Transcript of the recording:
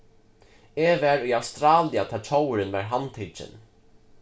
eg var í australia tá tjóvurin varð handtikin